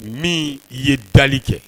Min i ye dali kɛ